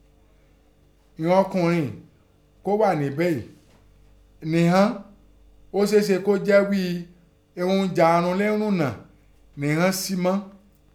Ìnọn ọkùnrin hànín, kọ́ hà níbeé ìín, nin ọ́n, ọ́ seé se kọ́ jẹ́ ghíi ihun ẹ̀jà runlérùnnà nẹ inọ́n sì mọ̀.